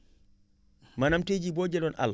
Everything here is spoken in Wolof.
maanaam tey jii boo jëloon àll